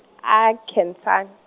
a Nkhensani.